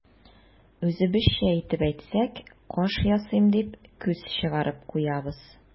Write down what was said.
Үзебезчә итеп әйтсәк, каш ясыйм дип, күз чыгарып куябыз.